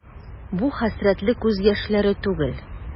Бу хәсрәтле күз яшьләре түгел.